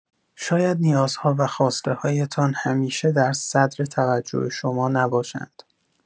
شاید نیازها و خواسته‌هایتان همیشه در صدر توجه شما نباشند.